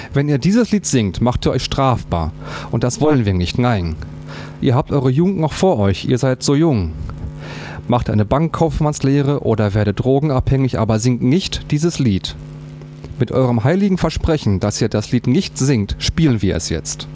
Wenn ihr dieses Lied singt, macht ihr euch strafbar, und das wollen wir nicht, nein. Ihr habt eure Jugend noch vor euch, ihr seid so jung. Macht eine Bankkaufmannslehre oder werdet drogenabhängig, aber singt nicht dieses Lied. (…) Mit eurem heiligen Versprechen, dass ihr das Lied nicht singt, spielen wir es jetzt